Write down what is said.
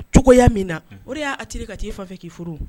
Cogoya min na o de y'a attiré ka t'e fan fɛ k'i furu wo